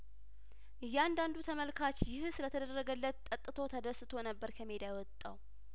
እያንዳንዱ ተመልካች ይህ ስለተደረገ ለት ጠጥቶ ተደስቶ ነበር ከሜዳ የወጣው